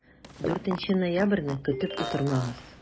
4 ноябрьне көтеп утырмагыз!